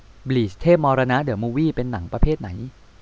บลีชเทพมรณะเดอะมูฟวี่เป็นหนังประเภทไหน